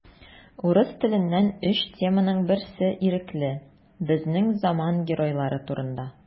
Урыс теленнән өч теманың берсе ирекле: безнең заман геройлары турында.